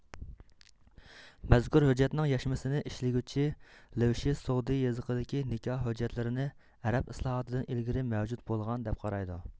مەزكۇر ھۆججەتنىڭ يەشمىسىنى ئىشلىگۈچى لېۋشىس سوغدى يېزىقىدىكى نىكاھ ھۆججەتلىرىنى ئەرەب ئىسلاھاتىدىن ئىلگىرى مەۋجۇت بولغان دەپ قارايدۇ